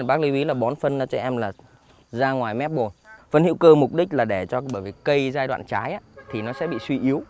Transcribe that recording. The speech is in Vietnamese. bác lưu ý là bón phân cho em là ra ngoài mép bột phân hữu cơ mục đích là để cho bởi cây giai đoạn trái thì nó sẽ bị suy yếu